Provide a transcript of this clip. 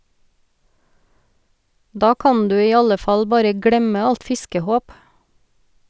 Da kan du i alle fall bare glemme alt fiskehåp.